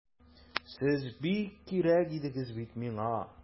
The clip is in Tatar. Сез бик кирәк идегез бит миңа!